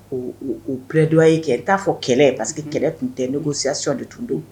K'o o o plaidoyer kɛ n t'a fɔ kɛlɛ parce que unhun kɛlɛ tun tɛ négociation de tun don